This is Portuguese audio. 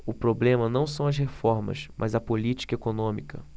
o problema não são as reformas mas a política econômica